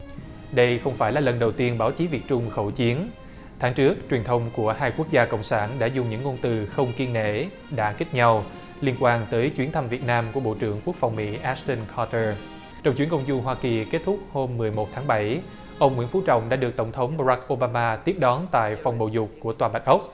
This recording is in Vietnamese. đây không phải là lần đầu tiên báo chí việt trung khẩu chiến tháng trước truyền thông của hai quốc gia cộng sản đã dùng những ngôn từ không kiêng nể đả kích nhau liên quan tới chuyến thăm việt nam của bộ trưởng quốc phòng mỹ ác sừn póc tơ trong chuyến công du hoa kỳ kết thúc hôm mười một tháng bảy ông nguyễn phú trọng đã được tổng thống ba rách ô ba ma tiếp đón tại phòng bầu dục của tòa bạch ốc